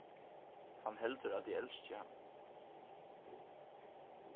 hann heldur at eg elski hann